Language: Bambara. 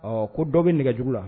Ɔ ko dɔ bɛ nɛgɛjugu la